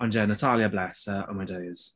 Ond ie Natalia bless her, oh my days.